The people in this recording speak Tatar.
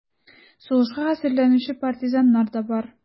Сугышка хәзерләнүче партизаннар да бар: